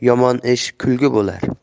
yomon ish kulgi bo'lar